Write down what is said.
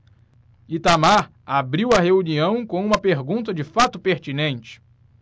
itamar abriu a reunião com uma pergunta de fato pertinente